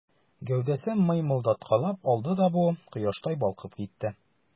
Гәүдәсен мыймылдаткалап алды да бу, кояштай балкып китте.